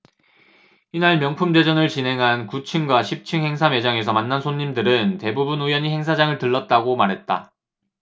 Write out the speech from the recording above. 이날 명품대전을 진행한 구 층과 십 층 행사 매장에서 만난 손님들은 대부분 우연히 행사장을 들렀다고 말했다